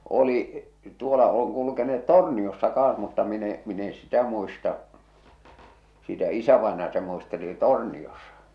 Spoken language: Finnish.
oli tuolla on kulkeneet Torniossa kanssa mutta minä en minä en sitä muista sitä isävainaja se muisteli Torniossa